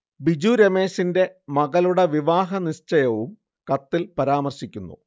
ബിജു രമേശിന്റെ മകളുടെ വിവാഹ നിശ്ഛയവും കത്തിൽ പരാമർശിക്കുന്നു